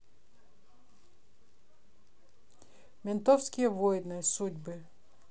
ментовские войны судьбы